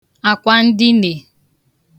àkwàndinè